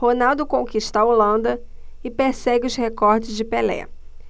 ronaldo conquista a holanda e persegue os recordes de pelé